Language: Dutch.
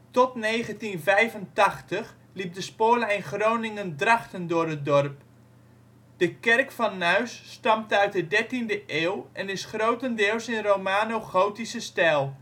Tot 1985 liep de spoorlijn Groningen - Drachten door het dorp. De kerk van Nuis stamt uit de dertiende eeuw en is grotendeels in romano-gotische stijl